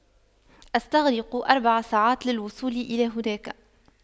استغرق أربع ساعات للوصول إلى هناك